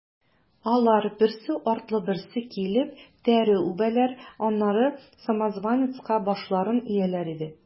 Алар, берсе артлы берсе килеп, тәре үбәләр, аннары самозванецка башларын ияләр иде.